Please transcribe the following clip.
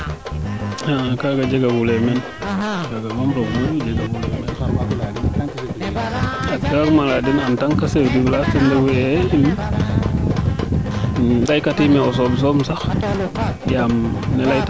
kaaga jega fulee meen kaaga moom roog moƴu ke waag ma leya den en tant que chef du village ley ka tiime o sooɓ soom sax yaam